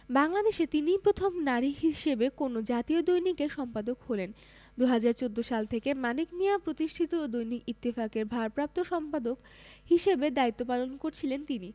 বাংলাদেশে তিনিই প্রথম নারী হিসেবে কোনো জাতীয় দৈনিকের সম্পাদক হলেন ২০১৪ সাল থেকে মানিক মিঞা প্রতিষ্ঠিত দৈনিক ইত্তেফাকের ভারপ্রাপ্ত সম্পাদক হিসেবে দায়িত্ব পালন করছিলেন তিনি